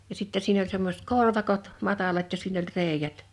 ja sitten siinä oli semmoiset korvakot matalat ja siinä oli reiät